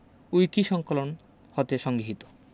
উইকিসংকলন হতে সংগৃহীত